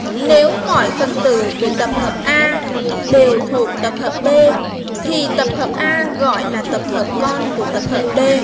nếu mỗi phần tử của tập hợp a đều thuộc tập hợp b khi tập hợp a gọi là tập hợp con của tập hợp b